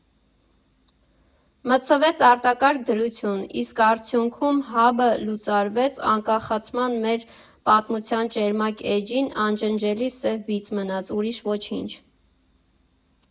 Մտցվեց արտակարգ դրություն, իսկ արդյունքում ՀԱԲ֊ը լուծարվեց, անկախացման մեր պատմության ճերմակ էջին անջնջելի սև բիծ մնաց, ուրիշ ոչինչ։